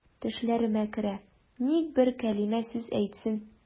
Төшләремә керә, ник бер кәлимә сүз әйтсен.